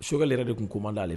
Sokɛ yɛrɛ de tun koman dalenale